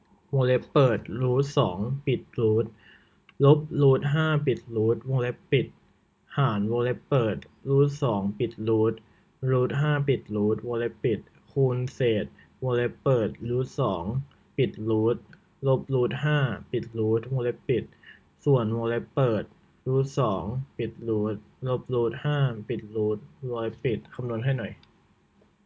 วงเล็บเปิดรูทสองปิดรูทลบรูทห้าปิดรูทวงเล็บปิดหารวงเล็บเปิดรูทสองปิดรูทบวกรูทห้าปิดรูทวงเล็บปิดคูณเศษวงเล็บเปิดรูทสองปิดรูทลบรูทห้าปิดรูทวงเล็บปิดส่วนวงเล็บเปิดรูทสองปิดรูทลบรูทห้าปิดรูทวงเล็บปิดคำนวณให้หน่อย